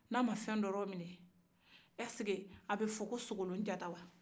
n'a ma fɛn dɔ laminɛn esike a bɛ fɔ ko sogolonjata wa